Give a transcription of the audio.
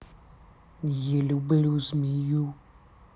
я люблю змею